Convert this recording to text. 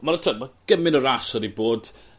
Mal t'od ma' gymin o rasio 'di bod